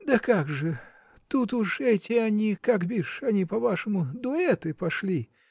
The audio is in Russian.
-- Да как же; тут уж эти как, бишь, они по-вашему, дуэты пошли.